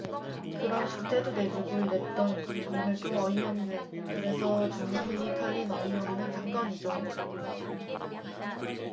그런 숙제도 내주고 이랬던 정말 좀 어이없는 그래서 전국민이 털린 어이없는 사건이죠